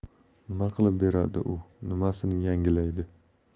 nima qilib beradi u nimasini yangilaydi